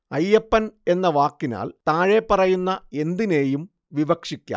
അയ്യപ്പന്‍ എന്ന വാക്കിനാല്‍ താഴെപ്പറയുന്ന എന്തിനേയും വിവക്ഷിക്കാം